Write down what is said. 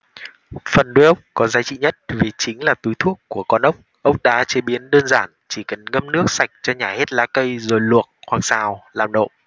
phần đuôi ốc có giá trị nhất vì chính là túi thuốc của con ốc ốc đá chế biến đơn giản chỉ cần ngâm nước sạch cho nhả hết lá cây rồi luộc hoặc xào làm nộm